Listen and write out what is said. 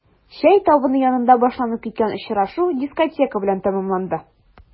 Чәй табыны янында башланып киткән очрашу дискотека белән тәмамланды.